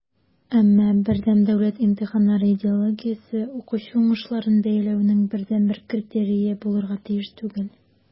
Әмма БДИ идеологиясе укучы уңышларын бәяләүнең бердәнбер критерие булырга тиеш түгел.